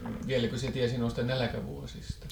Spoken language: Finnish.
vieläkö se tiesi noista nälkävuosista